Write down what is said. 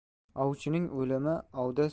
ovchining o'limi ovda